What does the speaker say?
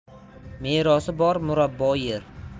merosi bor murabbo yer